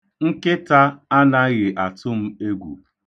Nkịta anaghị atụ m egwu.